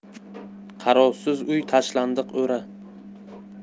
qarovsiz uy tashlandiq o'ra